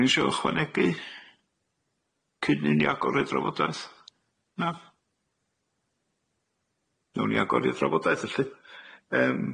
Rywun isio ychwanegu? Cyn i ni agor i'r drafodaeth? Na? Nawn ni agor i'r drafodaeth felly. Yym